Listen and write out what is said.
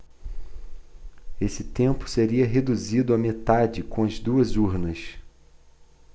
esse tempo seria reduzido à metade com as duas urnas